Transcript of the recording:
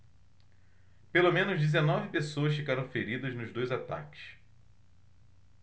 pelo menos dezenove pessoas ficaram feridas nos dois ataques